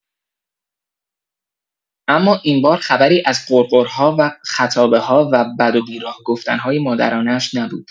اما این بار خبری از غرغرها و خطابه‌ها و بد و بی راه گفتن‌های مادرانه‌اش نبود.